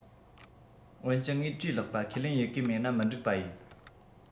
འོན ཀྱང ངས བྲིས ལེགས པ ཁས ལེན ཡི གེ མེད ན མི འགྲིག པ ཡིན